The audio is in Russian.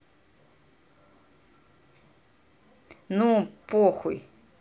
ну похуй